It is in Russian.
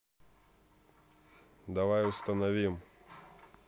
давай установим